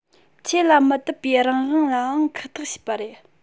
ཆོས ལ མི དད པའི རང དབང ལའང ཁག ཐེག བྱས པ རེད